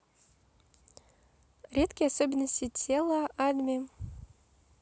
редкие особенности тела adme